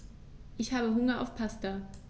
Ich habe Hunger auf Pasta.